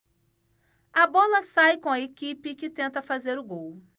a bola sai com a equipe que tenta fazer o gol